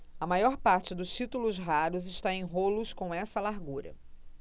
a maior parte dos títulos raros está em rolos com essa largura